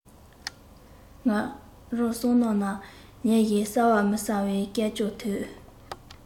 ང རང སྲང ལམ ན ཉུལ བཞིན གསལ ལ མི གསལ བའི སྐད ཅོར ཐོས